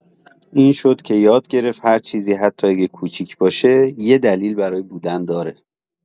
این شد که یاد گرفت هر چیزی حتی اگه کوچیک باشه، یه دلیل برای بودن داره.